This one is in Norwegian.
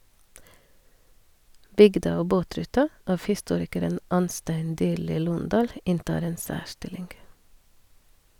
"Bygda og båtruta" av historikeren Anstein Dyrli Lohndal inntar en særstilling.